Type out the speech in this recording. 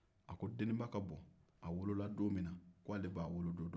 a ko deninba ka bɔ a wolona don min na ko ale b'a wolo don dɔ